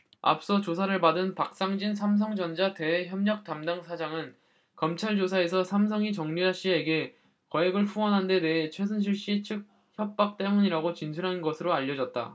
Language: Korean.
앞서 조사를 받은 박상진 삼성전자 대외협력담당 사장은 검찰조사에서 삼성이 정유라씨에게 거액을 후원한 데 대해 최순실씨 측 협박 때문이라고 진술한 것으로 알려졌다